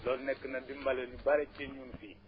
loolu nekk na dimbal lu bëri ci ñun fii